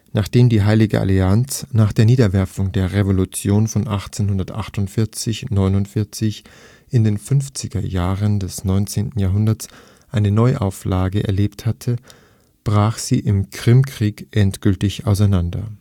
Nachdem die Heilige Allianz nach der Niederwerfung der Revolutionen von 1848 / 49 in den 50er Jahren des 19. Jahrhunderts eine Neuauflage erlebt hatte, brach sie im Krimkrieg endgültig auseinander